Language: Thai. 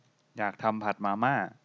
อยากทำผัดมาม่า